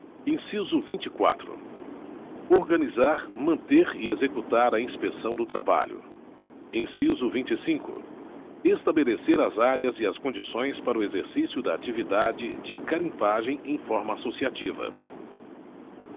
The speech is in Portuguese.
inciso vinte e quatro organizar manter e executar a inspeção do trabalho inciso vinte e cinco estabelecer as áreas e as condições para o exercício da atividade de garimpagem em forma associativa